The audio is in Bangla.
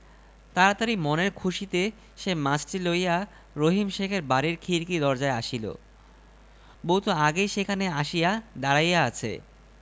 বিকাল হইলে বউ বাড়ির কাছের এক জেলেকে ডাকিয়া আনিয়া বলিল জেলে ভাই কাল ভোর হওয়ার কিছু আগে তুমি আমাকে একটি তাজা শোলমাছ আনিয়া দিবে